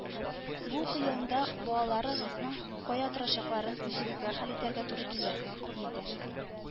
Бу уку елында балаларыгызның кая торачакларын үзегезгә хәл итәргә туры килер, - диде